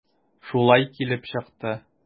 Шулай килеп чыкты.